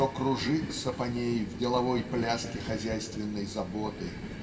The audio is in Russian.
кто кружится по ней в деловой пляске хозяйственной заботы.